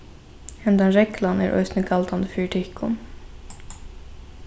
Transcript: henda reglan er eisini galdandi fyri tykkum